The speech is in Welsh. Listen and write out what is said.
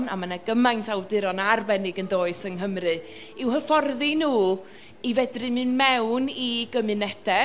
a ma' 'na gymaint o awduron arbennig yn does yng Nghymru, i'w hyfforddi nhw i fedru mynd mewn i gymunedau,